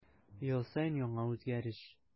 Ел саен яңа үзгәреш.